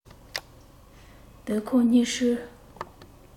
བོད ཁང སྙིང ཧྲུལ